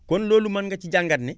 kon loolu mën nga ci jàngat ne